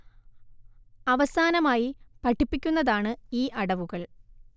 അവസാനമായി പഠിപ്പിക്കുന്നതാണ് ഈ അടവുകൾ